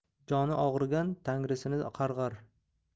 joni og'rigan tangrisini qarg'ar